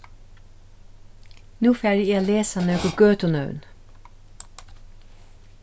nú fari eg at lesa nøkur gøtunøvn